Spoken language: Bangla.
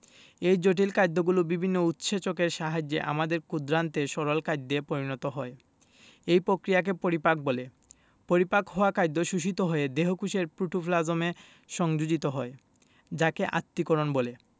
এই জটিল খাদ্যগুলো বিভিন্ন উৎসেচকের সাহায্যে আমাদের ক্ষুদ্রান্তে সরল খাদ্যে পরিণত হয় এই পক্রিয়াকে পরিপাক বলে পরিপাক হওয়া খাদ্য শোষিত হয়ে দেহকোষের প্রোটোপ্লাজমে সংযোজিত হয় যাকে আত্তীকরণ বলে